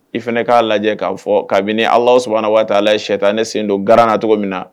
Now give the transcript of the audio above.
I fana k'a lajɛ k'a fɔ kabini Alahu sabahana wataala yesitanɛ se don garan na cogo min na